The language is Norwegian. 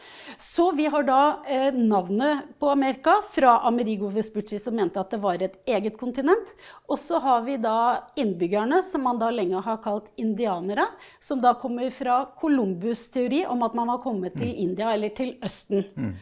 så vi har da navnet på Amerika fra Amerigo Vespucci som mente at det var et eget kontinent, også har vi da innbyggerne som man da lenge har kalt indianere, som da kommer ifra Colombus' teori om at man var kommet til India eller til Østen.